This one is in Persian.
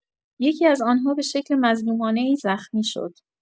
یکی‌از آنها به شکل مظلومانه‌ای زخمی شد.